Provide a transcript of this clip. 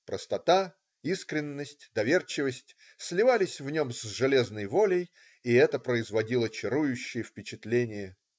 Простота, искренность, доверчивость сливались в нем с железной волей, и это производило чарующее впечатление.